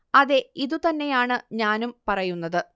അതെ ഇതു തന്നെയാണ് ഞാനും പറയുന്നത്